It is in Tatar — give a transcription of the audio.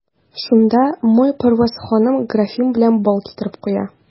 Шунда Майпәрвәз ханым графин белән бал китереп куя.